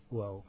waaw